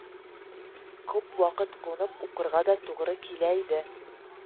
Күп вакыт кунып укырга да тугры килә иде